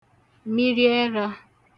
miriẹrā